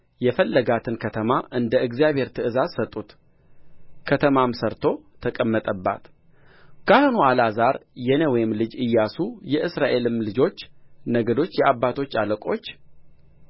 የፈለጋትን ከተማ እንደ እግዚአብሔር ትእዛዝ ሰጡት ከተማም ሠርቶ ተቀመጠባት ካህኑ አልዓዛር የነዌም ልጅ ኢያሱ የእስራኤልም ልጆች ነገዶች የአባቶች አለቆች